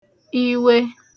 iwe